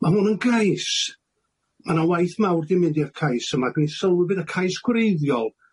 Ma' hwn yn gais- Ma' 'na waith mawr 'di mynd i'r cais yma. Dwi'n sylwi bod y cais gwreiddiol